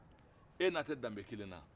e n'a tɛ danbe kelen na